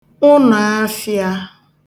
ụnọ̀afị̄ā